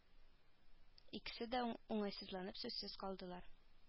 Икесе дә уңайсызланып сүзсез калдылар